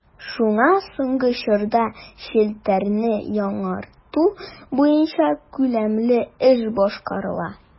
Шуңа соңгы чорда челтәрне яңарту буенча күләмле эш башкарыла.